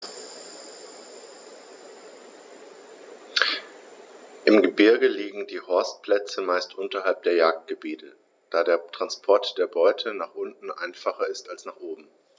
Im Gebirge liegen die Horstplätze meist unterhalb der Jagdgebiete, da der Transport der Beute nach unten einfacher ist als nach oben.